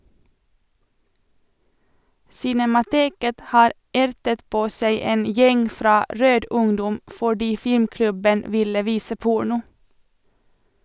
Cinemateket har ertet på seg en gjeng fra "Rød ungdom" fordi filmklubben ville vise porno.